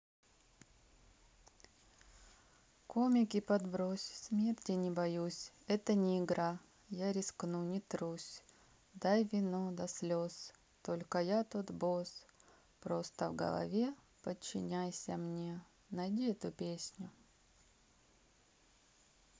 комики подбрось смерти не боюсь это не игра я рискну не трусь дай вино до слез только я тот босс просто в голове подчиняйся мне найди эту песню